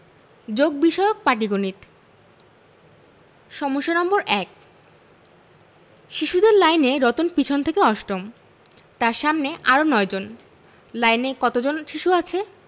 যোগ বিষয়ক পাটিগনিতঃ সমস্যা নম্বর ১ শিশুদের লাইনে রতন পিছন থেকে অষ্টম তার সামনে আরও ৯ জন লাইনে কত জন শিশু আছে